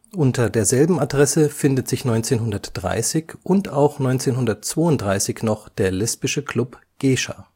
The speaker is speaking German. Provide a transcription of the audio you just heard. Unter derselben Adresse findet sich 1930 und auch 1932 noch der lesbische Club „ Geisha